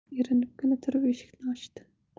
erinibgina turib eshikni ochdi